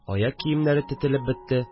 Аяк киемнәре тетелеп бетте